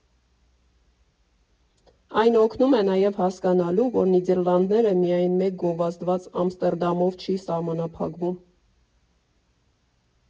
Այն օգնում է նաև հասկանալու, որ Նիդեռլանդները միայն մեկ գովազդված Ամստերդամով չի սահմանափակվում։